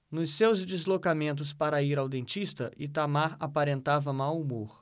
nos seus deslocamentos para ir ao dentista itamar aparentava mau humor